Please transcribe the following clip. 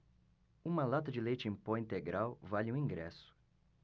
uma lata de leite em pó integral vale um ingresso